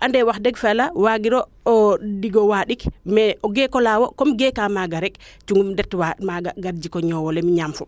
ande wax deg fa yala wagiro o digo waandik mais o geeko laawo comme geeka maaga rek cungi im ret maaga gar jiko ñoowole mi ñaam fo